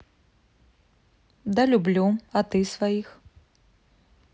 да люблю а ты своих